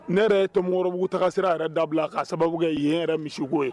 N ne yɛrɛ ye totaa sira yɛrɛ dabila ka sababu kɛ yen yɛrɛɛrɛ misiko ye